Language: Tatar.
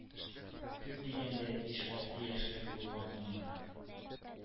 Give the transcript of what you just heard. Күп дигәндә биш алты яшьлек булганмындыр.